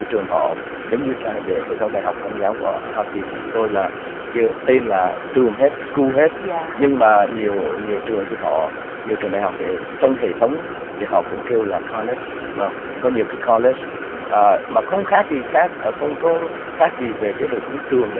trường họ giống như để hệ thống đại học công giáo của hoa kỳ của chúng tôi là kêu tên là trường hết cu hết nhưng mà nhiều nhiều trường thì họ nhiều trường đại học thì trong hệ thống thì họ cũng kêu là co lết vâng có nhiều cái co lết à mà không khác gì khác ờ ko có khác gì về cái hệ thống trường là